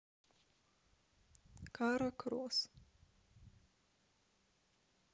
кара кросс